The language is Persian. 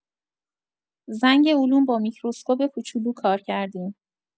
زنگ علوم با میکروسکوپ کوچولو کار کردیم.